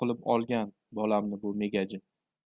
qilib olgan bolamni bu megajin